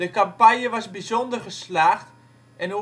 campagne was bijzonder geslaagd en